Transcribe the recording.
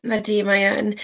Ydy, mae e yn.